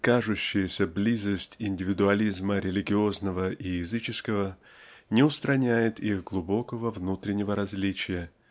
кажущаяся близость индивидуализма религиозного и языческого не устраняет их глубокого внутреннего различия